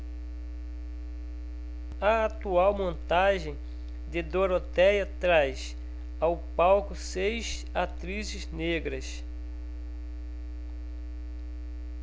a atual montagem de dorotéia traz ao palco seis atrizes negras